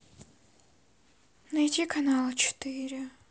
найди канал а четыре